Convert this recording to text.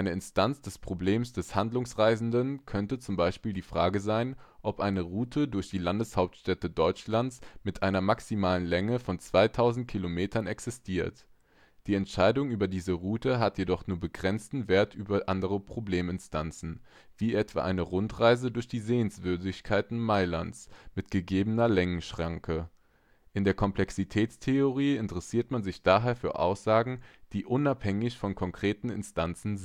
Instanz des Problems des Handlungsreisenden könnte zum Beispiel die Frage sein, ob eine Route durch die Landeshauptstädte Deutschlands mit einer maximalen Länge von 2000 km existiert. Die Entscheidung über diese Route hat jedoch nur begrenzten Wert für andere Probleminstanzen, wie etwa eine Rundreise durch die Sehenswürdigkeiten Mailands mit gegebener Längenschranke. In der Komplexitätstheorie interessiert man sich daher für Aussagen, die unabhängig von konkreten Instanzen